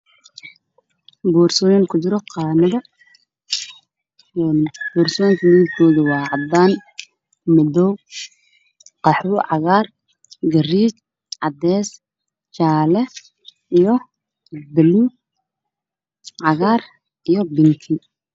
Meeshaan waxaa ka muuqdo boorsooyin ku jiro qaanad